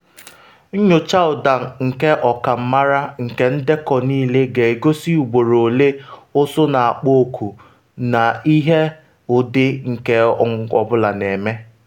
Nyocha ụda nke ọkammara nke ndekọ niile ga-egosi ugboro ole ụsụ n’akpọ oku na ihe ụdị nke ọ bụla na-eme.